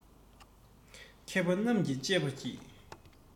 མཁས པ རྣམས ཀྱིས དཔྱད པ ཡི